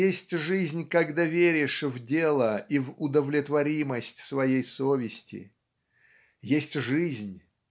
есть жизнь, когда веришь в дело и в удовлетворимость своей совести. Есть жизнь